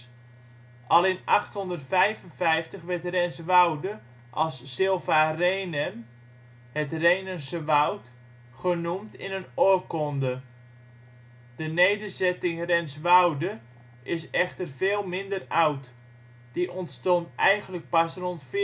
Al in 855 werd Renswoude als silva Hrenhem (het Rhenense woud) genoemd in een oorkonde. De nederzetting Renswoude is echter veel minder oud. Die ontstond eigenlijk pas rond 1400